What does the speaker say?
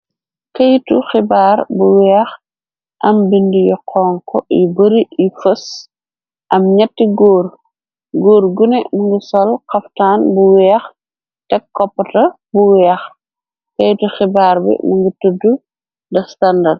Keitu khibarr bu wekh, am bindue yu honhu yu bari yu feuss, am njehti gorre, gorre guneh mungy sol khaftan bu wekh tek corpotah bu wekh, keiti khibarr bii mungy tudu the standard.